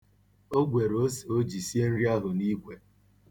Ọ gwere ose o ji sie nri ahụ n'ikwe.